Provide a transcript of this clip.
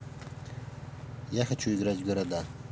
я хочу играть в города